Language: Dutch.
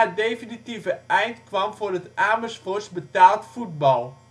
definitieve eind kwam voor het Amersfoorts betaald voetbal